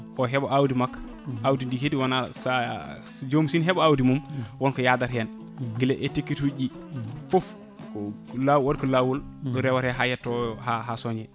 o heeɓa awdi makko awdi kadi wona sa so joomum sene heeɓa awdi mum wonko yadata hen guila e étiquette uji ji foof ko lawol waɗi ko lawol ɗo rewete ha yetto ha ha sooñe